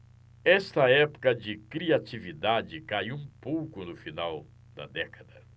esta época de criatividade caiu um pouco no final da década